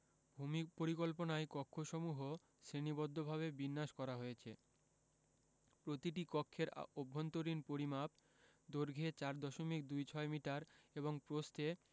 ভূমি পরিকল্পনায় কক্ষসমূহ শ্রেণীবদ্ধভাবে বিন্যাস করা হয়েছে প্রতিটি কক্ষের অভ্যন্তরীণ পরিমাপ দৈর্ঘ্যে ৪ দশমিক দুই ছয় মিটার এবং প্রস্থে